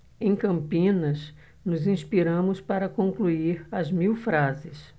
em campinas nos inspiramos para concluir as mil frases